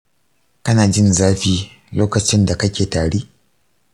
kana jin zafi lokacin da kake tari?